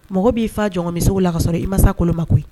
Mɔgɔ b'i fa jɔngɔnmisogo la ka sɔrɔ i ma se a kolon ma koyi